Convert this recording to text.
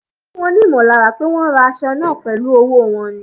Ó fún wọn ní ìmọ̀lára pé wọn ra aṣọ náà pẹ̀lú owó wọn